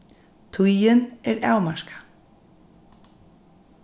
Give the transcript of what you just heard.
tíðin er avmarkað